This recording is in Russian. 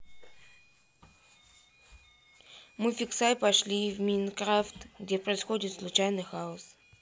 мы фиксай пошли в minecraft где происходит случайный хаос